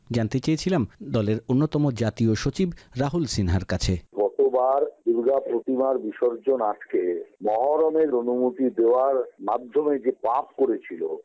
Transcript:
চেয়েছিলাম দলের অন্যতম জাতীয় সচিব রাহুল সিনহার কাছে গতবার দুর্গাপ্রতিমার বিসর্জন আটকে মহরম এর অনুমতি দেয়ার যে পাপ করেছিল